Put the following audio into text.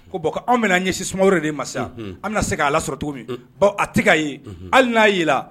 Ko bɔn anw bɛna an ɲɛsi Sumaworo de ma sa an bɛna segin k'a la sɔrɔ cogo min bawo a tɛ kaye hali n'a ye la